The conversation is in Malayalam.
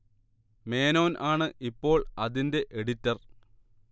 മേനോൻ ആണ് ഇപ്പോൾ ഇതിന്റെ എഡിറ്റർ